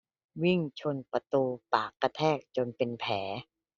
วิ่งชนประตูปากกระแทกจนเป็นแผล